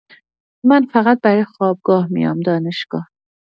من فقط برای خوابگاه میام دانشگاه؟